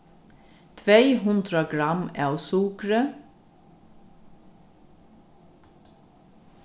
tvey hundrað gramm av sukri